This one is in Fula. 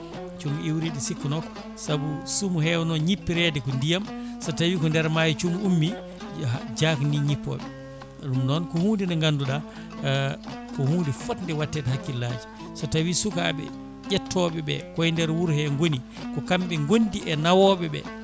cuumu iwri ɗo sikkanoka saabu suumu yewno ñippirede ko ko ndiyam so tawi ko nder maayo cuumu ummi jahni ñippoɓe ɗum ko hunde nde ganduɗa ko hunde fonde wattede hakkillaji so tawi sukaɓe ƴettoɓeɓe koye nder wuuro he gooni ko kamɓe gondi e nawoɓeɓe